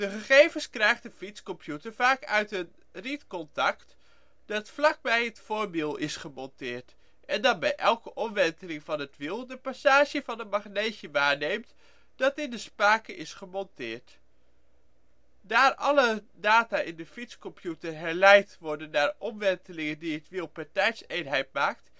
gegevens krijgt een fietscomputer vaak uit een reed-contact dat vlak bij het (voor) wiel is gemonteerd, en dat bij elke omwenteling van het wiel de passage van een magneetje waarneemt dat in de spaken is gemonteerd. Daar alle data in de fietscomputer herleidt worden naar de omwentelingen die het wiel per tijdseenheid maakt